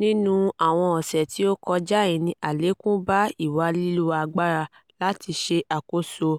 Nínú àwọn ọ̀sẹ̀ tí ó kọjá yìí ni àlékún bá ìwà lílo agbára láti ṣe àkóso